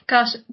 cal sh-